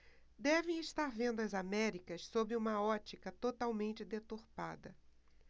devem estar vendo as américas sob uma ótica totalmente deturpada